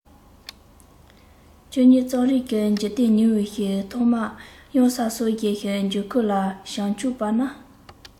ཁྱོད ཉིད རྩོམ རིག གི འཇིག རྟེན ཉུལ བའི ཐོག མར དབྱངས གསལ སོ བཞིའི འགྱུར ཁུག ལ བྱང ཆུབ པ ནས